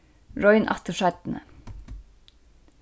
royn aftur seinni